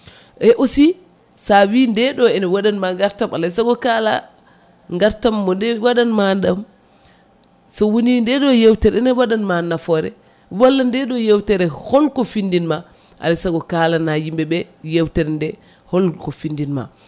e aussi sa wi ndeɗo ene waɗanma gartam alay saago kaala gartam mo nde waɗanma ɗam sowoni ndeɗo yewtere ene waɗanma nafoore walla ndeɗo yewtere holko findinma lay saago kaalana yimɓeɓe yewtere nde holko findinma